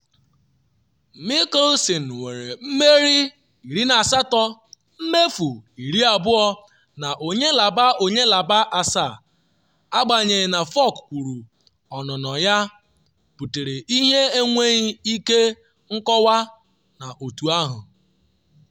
Mickelson nwere mmeri 18, mmefu 20 na onye laba onye laba asaa, agbanyeghị na Furyk kwuru ọnụnọ ya butere ihe enweghi ike nkọwa n’otu ahụ.